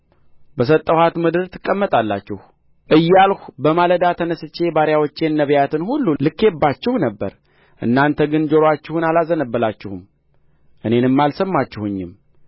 በሰጠሁት ምድር ትቀመጣላችሁ እያልሁ በማለዳ ተነሥቼ ባሪያዎቼን ነቢያትን ሁሉ ልኬባችሁ ነበር እናንተ ግን ጆሬአችሁን አላዘነበላችሁም እኔንም አልሰማችሁኝም